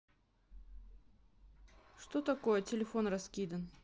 что такое телефон раскидан